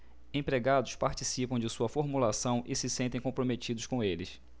empregados participam da sua formulação e se sentem comprometidos com eles